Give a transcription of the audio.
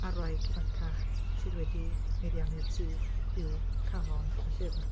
A'r wraig ifancach sydd wedi meddiannu'r tŷ yw calon y llyfr.